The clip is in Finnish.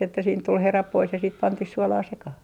että siitä tuli herat pois ja sitten pantiin suolaa sekaan